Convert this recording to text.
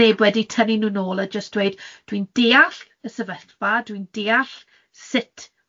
'sneb wedi tynnu nhw nôl a jyst dweud, dwi'n deall y sefyllfa, dwi'n deall sut